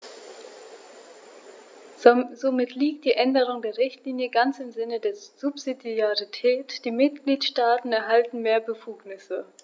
Somit liegt die Änderung der Richtlinie ganz im Sinne der Subsidiarität; die Mitgliedstaaten erhalten mehr Befugnisse.